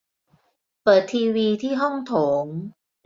เปิดทีวีที่ห้องโถง